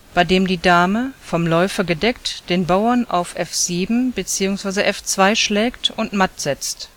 bei dem die Dame, vom Läufer gedeckt, den Bauern auf f7 bzw. f2 schlägt und matt setzt